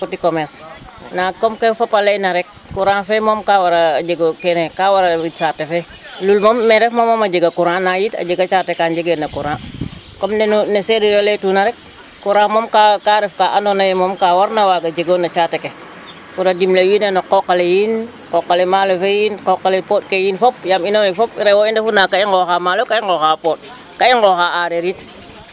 Petit commerce ndaa ke fop a layna rek ka war o jeg kene ka war o wid saate fe; mi' moom me refma moom a jega courant ndaa yit a jega caate ka njegeerna courant comme ne Serir a laytuna rek courant moom ka ref ka andoona yee ka warin o waag o jeg o no caate ke fat a dimle wiin we na qooq ale yiin, maalo fe yiin qooq ale pooƭ ke yiin in fop yaam ino wene fop rew wo i ndefu ndaa ka i nqooxaa maalo ga i nqooxaa pooƭ ga i nqooxaa a aareer yit.